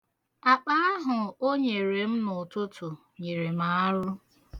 Akpa ahụ o nyere m n'ụtụtụ nyiri arụ.